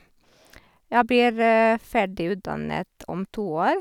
Jeg blir ferdig utdannet om to år.